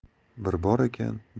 bir bor ekan